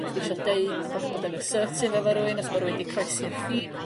bo' chdi isio deud bod bod yn assertive efo rywun os ma' rywun 'di croesi'r ffin.